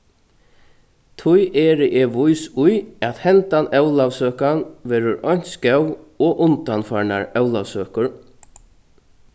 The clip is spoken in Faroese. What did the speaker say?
tí eri eg vís í at hendan ólavsøkan verður eins góð og undanfarnar ólavsøkur